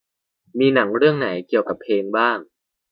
มีหนังเรื่องไหนเกี่ยวกับเพลงบ้าง